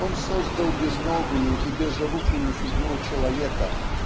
он создал безногую и безрукую фигуру человека